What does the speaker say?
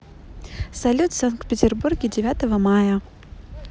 салют в санкт петербурге девятого мая